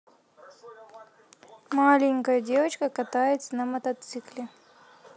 маленькая девочка катается на мотоцикле